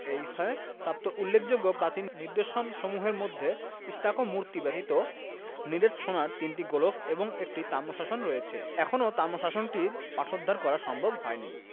এ স্থানে প্রাপ্ত উল্লেখযোগ্য প্রাচীন নিদর্শনসমূহের মধ্যে স্টাকো মূর্তি ব্যতীত নিরেট সোনার তিনটি গোলক এবং একটি তাম্রশাসন রয়েছে এখনও তাম্রশাসনটির পাঠোদ্ধার করা সম্ভব হয়নি